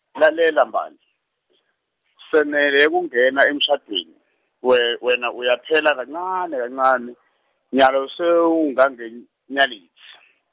lalela Mbali, senele kungena emshadweni, we wena uyaphela kancane kancane, nyalo sewungangenyalitsi.